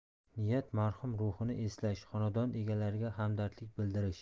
niyat marhum ruhini eslash xonadon egalariga hamdardlik bildirish